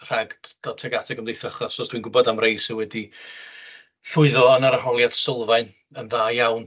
Rhag dod tuag at y Gymdeithas, achos dwi'n gwybod am rhai sydd wedi llwyddo yn yr arholiad sylfaen yn dda iawn.